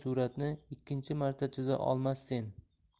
suratni ikkinchi marta chiza olmassen